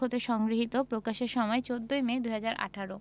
হতে সংগৃহীত প্রকাশের সময় ১৪ মে ২০১৮